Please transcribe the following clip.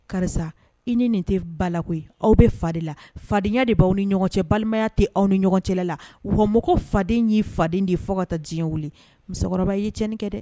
Karisa i ni nin tɛ ba la koyi aw bɛ fa de la, fadenya de b'aw ni ɲɔgɔn cɛ, balimaya tɛ aw ni ɲɔgɔn cɛ la, wa mɔgɔ faden y'i faden de fɔ ka taa diɲɛ wili musokɔrɔba ye tiɲɛn kɛ dɛ.